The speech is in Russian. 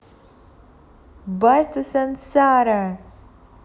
баста сансара